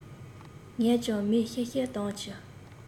ངས ཀྱང མིག ཤེལ ཤེལ དམ གྱི